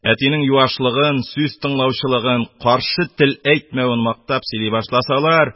Әтинең юашлыгын, сүз тыңлаучылыгын, каршы тел әйтмәвен мактап сөйли башласалар